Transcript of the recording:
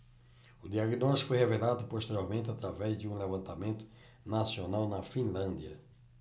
o diagnóstico foi revelado posteriormente através de um levantamento nacional na finlândia